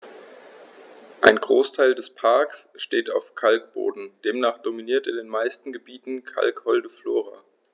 Ein Großteil des Parks steht auf Kalkboden, demnach dominiert in den meisten Gebieten kalkholde Flora.